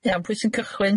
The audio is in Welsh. Iawn, pwy sy'n cychwyn?